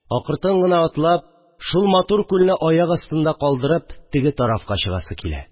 Акыртын гына атлап, шул матур күлне аяк астында калдырып, теге тарафка чыгасы килә